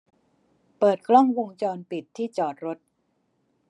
เปิดกล้องวงจรปิดที่จอดรถ